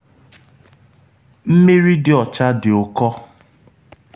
Mmiri dị ọcha dị ụkọ.”